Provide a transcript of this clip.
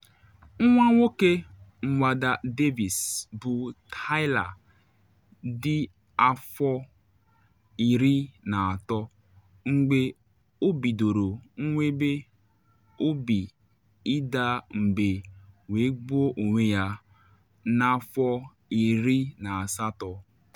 Nwa nwoke Nwada Davis bụ Tyler dị afọ 13 mgbe o bidoro nwebe obi ịda mba wee gbuo onwe ya n’afọ 18.